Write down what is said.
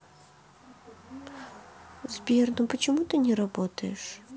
сбер ну почему ты не работаешь